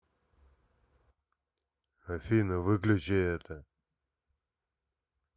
афина выключи это